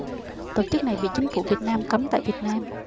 tổ chức này bị chính phủ việt nam cấm tại việt nam